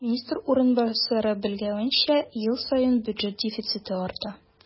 Министр урынбасары билгеләвенчә, ел саен бюджет дефициты арта.